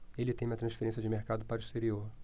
ele teme a transferência de mercado para o exterior